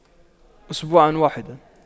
أسبوعا واحدا